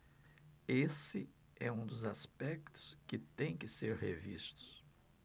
esse é um dos aspectos que têm que ser revistos